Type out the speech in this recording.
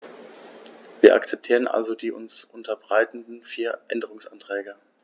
Wir akzeptieren also die uns unterbreiteten vier Änderungsanträge.